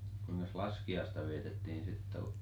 kuinkas laskiaista vietettiin sitten -